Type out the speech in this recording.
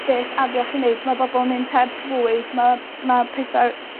beth afiach i neud ma' bobol mynd heb fwyd ma' ma' pethe r-